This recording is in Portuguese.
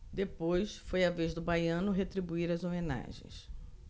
depois foi a vez do baiano retribuir as homenagens